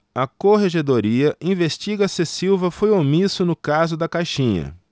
a corregedoria investiga se silva foi omisso no caso da caixinha